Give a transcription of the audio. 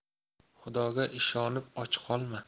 xudoga ishonib och qolma